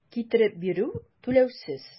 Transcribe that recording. Китереп бирү - түләүсез.